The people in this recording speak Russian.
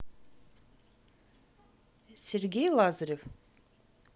сергей лазарев